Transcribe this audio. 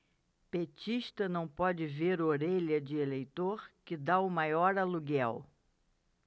petista não pode ver orelha de eleitor que tá o maior aluguel